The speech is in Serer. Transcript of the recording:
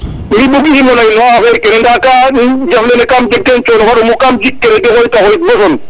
mi bug imo ley no affaire kene nda jaflene kam jeg ten cono fa ɗomu kam jik credi xoyta xoyit bo son